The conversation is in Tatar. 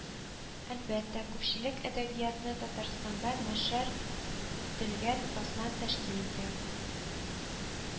Әлбәттә, күпчелек әдәбиятны Татарстанда нәшер ителгән басма тәшкил итә